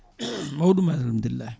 mawɗum alhamdulillahi